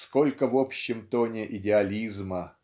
сколько в общем тоне идеализма